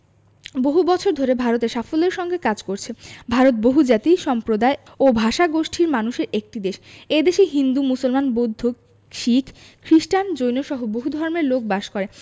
বহু বছর ধরে ভারতে সাফল্যের সঙ্গে কাজ করছে ভারত বহুজাতি সম্প্রদায় ও ভাষাগোষ্ঠীর মানুষের একটি দেশ এ দেশে হিন্দু মুসলমান বৌদ্ধ শিখ খ্রিস্টান জৈনসহ বহু ধর্মের লোক বাস করে